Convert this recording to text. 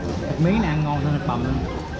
thịt miếng này ăn ngon hơn thịt bầm